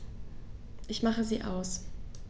Ich mache sie aus.